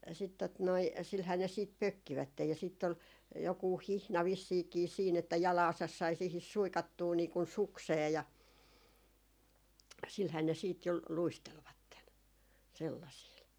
sitten tuota noin sillähän ne sitten pökkivät ja sitten oli joku hihna vissiinkin siinä että jalkansa sai siihen suikattua niin kuin sukseen ja sillähän ne sitten jo luistelivat sellaisilla